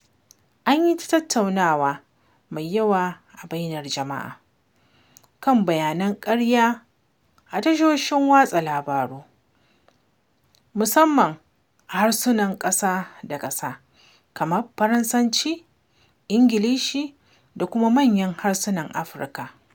An yi ta tattaunawa mai yawa a bainar jama'a kan bayanan ƙarya a tashoshin watsa labaru, musamman a harsunan ƙasa da ƙasa kamar Faransanci da Ingilishi, da kuma manyan harsunan Afirka.